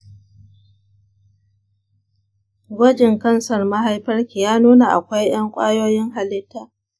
gwajin kansar mahaifarki ya nuna akwai ƴan ƙwayoyin halitta marasa daidaito.